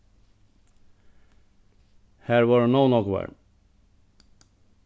har vóru nóg nógvar